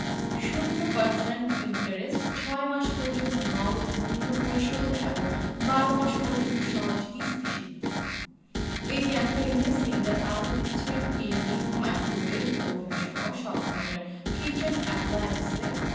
০% ইন্টারেস্টে ৬ মাস পর্যন্ত নগদ মূল্য পরিশোধ এবং ১২ মাস পর্যন্ত সহজ কিস্তি সুবিধা এই ক্যাম্পেইনে সিঙ্গার আরো দিচ্ছে টিভি মাইক্রোওয়েভ ওভেনসহ সব ধরনের কিচেন অ্যাপ্লায়েন্সে